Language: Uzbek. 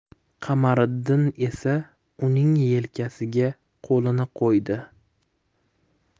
qamariddin esa uning yelkasiga qo'lini qo'ydi